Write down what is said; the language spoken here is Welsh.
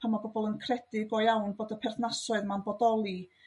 pan ma' pobol yn credu go iawn bod y perthnasoedd 'ma'n bodoli